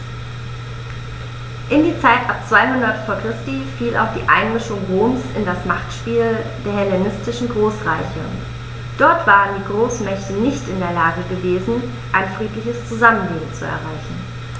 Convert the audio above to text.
In die Zeit ab 200 v. Chr. fiel auch die Einmischung Roms in das Machtspiel der hellenistischen Großreiche: Dort waren die Großmächte nicht in der Lage gewesen, ein friedliches Zusammenleben zu erreichen.